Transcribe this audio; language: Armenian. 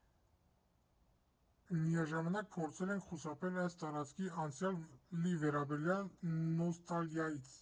Միաժամանակ փորձել ենք խուսափել այս տարածքի անցյալի վերաբերյալ նոստալգիայից։